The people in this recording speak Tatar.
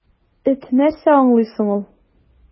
Эт нәрсә аңлый соң ул!